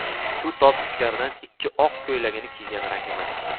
shu tob ichkaridan ichki oq ko'ylagini kiygan rahima chiqdi